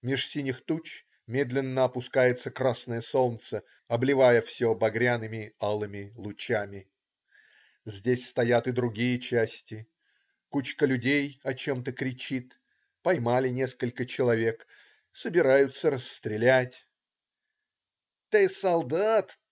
Меж синих туч медленно опускается красное солнце, обливая все багряными, алыми лучами. Здесь стоят и другие части. Кучка людей о чем-то кричит. Поймали несколько человек. Собираются расстрелять. "Ты солдат.